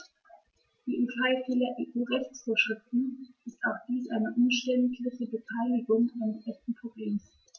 Wie im Fall vieler EU-Rechtsvorschriften ist auch dies eine umständliche Betitelung eines echten Problems.